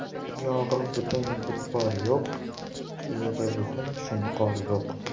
tuyog'i butun tulpor yo'q qiyog'i butun shunqor yo'q